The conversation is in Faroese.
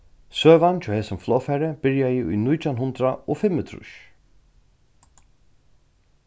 søgan hjá hesum flogfari byrjaði í nítjan hundrað og fimmogtrýss